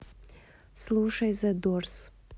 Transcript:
слушай зе дорс